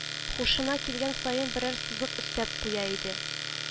— һушына килгән саен берәр сызык өстәп куя иде